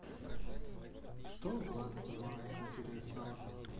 что влад снимает интересного